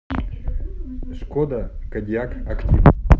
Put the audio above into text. шкода кодиак актив